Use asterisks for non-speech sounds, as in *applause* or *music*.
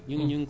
*hesitation* *hesitation*